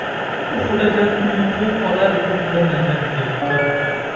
uxlagan uyqu olar uxlamagan yilqi